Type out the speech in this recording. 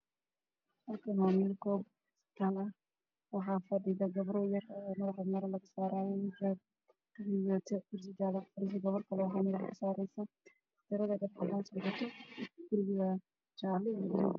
Halkaan waxaa ka muuqdo gabdho labo kamid ah mid kale ayey madaxa ayey maro cad u saaraysaa midabka dhar ay qabaan waa hijaab iyo saako cadays ah mid fadhido waxay qabtaa hijaab madaw iyo saaka madaw